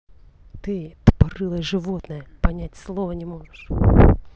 ты тупорылое животное понять слово не можешь